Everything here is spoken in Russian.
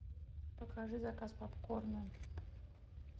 покажи заказ попкорна